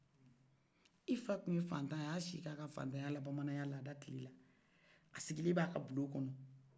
i fa tun ɲe fantaye a ya si kɛ fantayala bamanan lada kilela a sigilen b'a ka bulo kɔnɔ